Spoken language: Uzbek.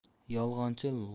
yolg'onchi lop etar